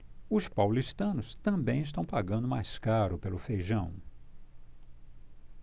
os paulistanos também estão pagando mais caro pelo feijão